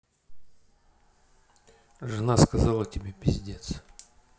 жена сказала тебе пиздец